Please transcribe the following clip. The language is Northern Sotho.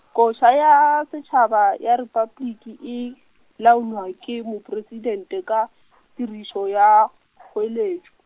koša ya, setšhaba, ya Repabliki e, laolwa ke mopresitente, ka , tirišo ya , kgoeletšo.